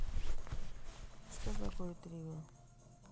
что такое тривия